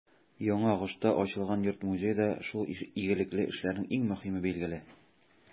Яңагошта ачылган йорт-музей да шул игелекле эшләрнең иң мөһиме, билгеле.